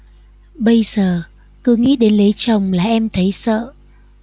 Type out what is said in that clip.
bây giờ cứ nghĩ đến lấy chồng là em thấy sợ